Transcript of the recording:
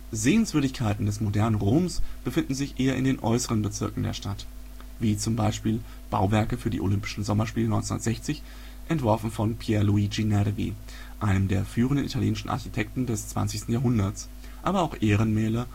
Sehenswürdigkeiten des modernen Roms befinden sich eher in den äußeren Bezirken der Stadt, wie zum Beispiel Bauwerke für die Olympischen Sommerspiele 1960, entworfen von Pier Luigi Nervi, einem der führenden italienischen Architekten des 20. Jahrhunderts, aber auch Ehrenmäler